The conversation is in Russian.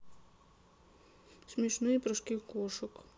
смешные прыжки кошек